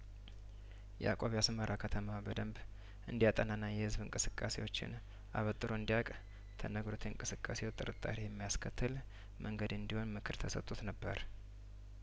ያእቆብ የአስመራ ከተማን በደንብ እንዲ ያጠናና የህዝብ እንቅስቃሴዎችን አበጥሮ እንዲያቅ ተነግሮት እንቅስቅሴው ጥርጣሬ የማያስከትል መንገድ እንዲሆን ምክር ተሰጥቶት ነበር